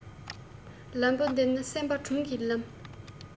ལམ བུ འདི ནི སེམས པ དྲུང གི ལམ